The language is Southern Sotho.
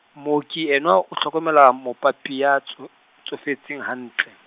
Mooki enwa o hlokomela mopapi ya tso-, tsofetseng hantle.